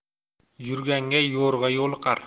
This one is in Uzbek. yurganga yo'rg'a yo'liqar